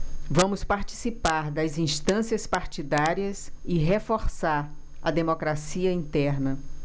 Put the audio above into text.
vamos participar das instâncias partidárias e reforçar a democracia interna